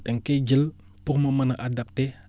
da nga koy jël pour mu mën a adapté